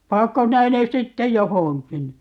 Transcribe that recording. panetko sinä ne sitten johonkin